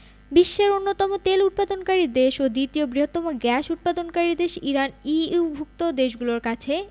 বিশ্বের অন্যতম তেল উৎপাদনকারী দেশ ও দ্বিতীয় বৃহত্তম গ্যাস উৎপাদনকারী দেশ ইরান ইইউভুক্ত দেশগুলোর কাছে